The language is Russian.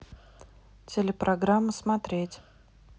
телепрограмма смотреть